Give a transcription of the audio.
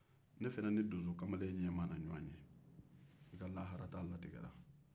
ne fana ni donsokamalen mana ɲɔgɔn ye i ka laharataa latigɛra